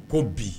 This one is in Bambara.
Ko bi.